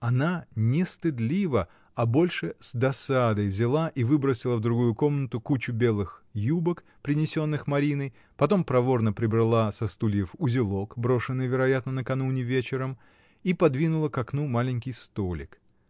Она не стыдливо, а больше с досадой взяла и выбросила в другую комнату кучу белых юбок, принесенных Мариной, потом проворно прибрала со стульев узелок, брошенный, вероятно, накануне вечером, и подвинула к окну маленький столик.